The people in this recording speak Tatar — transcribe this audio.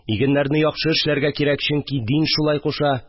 Игеннәрне яхшы эшләргә кирәк, чөнки дин шулай кушa